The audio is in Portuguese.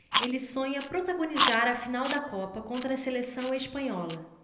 ele sonha protagonizar a final da copa contra a seleção espanhola